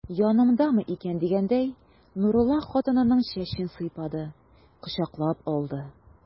Янымдамы икән дигәндәй, Нурулла хатынының чәчен сыйпады, кочаклап алды.